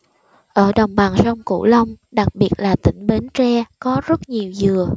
ở đồng bằng sông cửu long đặc biệt là tỉnh bến tre có rất nhiều dừa